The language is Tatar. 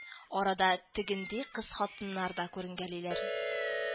Арада тегенди кыз-хатыннар да күренгәлиләр